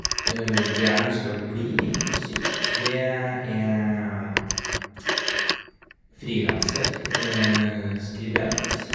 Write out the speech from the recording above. Det jeg ønsker å bli på sikt, det er frilanser, skribent.